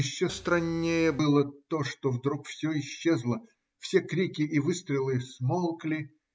Еще страннее было то, что вдруг все исчезло; все крики и выстрелы смолкли.